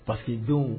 Basidon